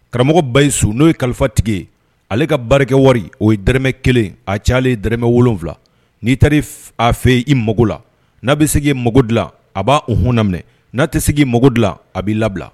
Karamɔgɔ Bahisu n'o ye kalifa tigi ye ale ka baarakɛ wɔri o ye dɛrɛmɛ 1 ye a cayalen ye dɛrɛmɛ 7 n'i taar'if a fe ye i mago la n'a be se k'i mago dilan a b'a unhun na minɛ n'a te se k'i mago dilan a b'i labila